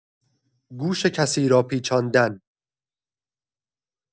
گوش کسی را پیچاندن